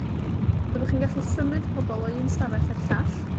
Byddwch chi'n gallu symud pobol o un stafell i'r llall.